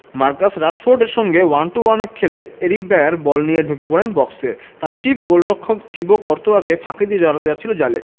Marcus রাশফোর্ডের সঙ্গে one two ওয়ানে খেলে এরিক ডায়ার বল নিয়ে ঢুকে পড়েন বক্সে তাঁর চিপ গোলরক্ষক থিবো কর্তোয়াকে ফাঁকি দিয়ে জড়াতে যাচ্ছিল জালে